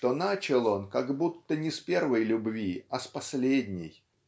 что начал он как будто не с первой любви а с последней